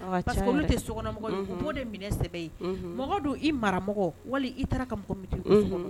Tɛ sokɔnɔmɔgɔ de minɛ sɛbɛ ye mɔgɔ don i mara wali i taara ka mɔgɔ